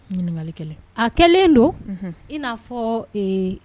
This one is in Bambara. Ɲininkakali kɛlɛ a kɛlen don in'a fɔ